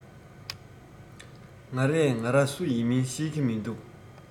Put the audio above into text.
ང རས ང ར སུ ཡིན པ ཤེས གི མི འདུག